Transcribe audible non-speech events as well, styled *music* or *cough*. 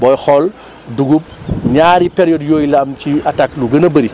booy xool *breath* dugub *noise* ñaari période yooyu la am ci attaque lu gën a bëri